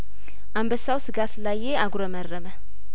አንበሳው ስጋ ስላ የአጉረመረ መ